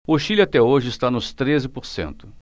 o chile até hoje está nos treze por cento